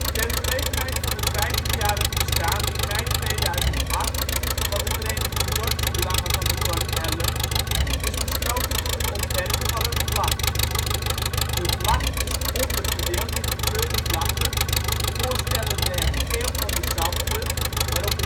Ter gelegenheid van het 50-jarig bestaan (mei 2008) van de Vereniging Dorpsbelangen van het dorp Hellum, is besloten tot het ontwerpen van een vlag. De vlag is onderverdeeld in gekleurde vlakken, voorstellende het geel van de zandrug waarop